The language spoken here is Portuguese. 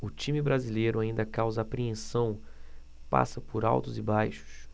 o time brasileiro ainda causa apreensão passa por altos e baixos